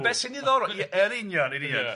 A be sy'n ddiddorol, i- yn union, yn union. Ia.